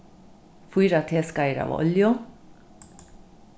fýra teskeiðir av olju